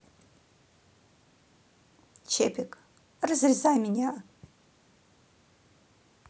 чепик разрезай меня